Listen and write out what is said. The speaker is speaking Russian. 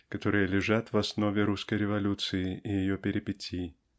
которые лежат в основе русской революции и ее перипетий.